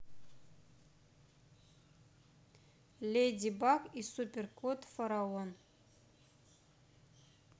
леди баг и супер кот фараон